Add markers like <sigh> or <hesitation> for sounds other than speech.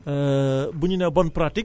<hesitation> bu ñu nee bonne pratique